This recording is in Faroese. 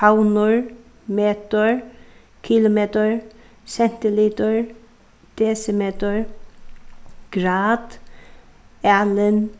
favnur metur kilometur sentilitur desimetur grad alin